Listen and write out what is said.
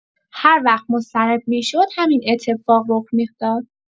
هر وقت مضطرب می‌شد همین اتفاق رخ می‌داد.